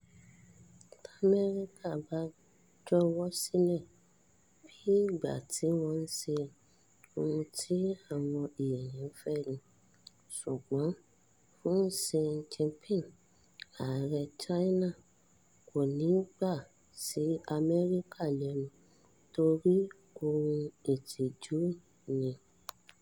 T’Ámẹ́ríkà bá jọwọ́ sílẹ̀ bíi ìgbà tí wọ́n ń ṣe ohun tí àwọn èèyàn fẹ́ ni. Ṣùgbọ́n fún Xi Jinping, Ààrẹ China, kò ní gbà sí Amẹ́ríkà lẹ́nu torí ohun ìtìjú ni.